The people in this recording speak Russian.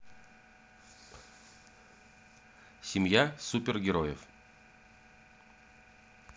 семья супергероев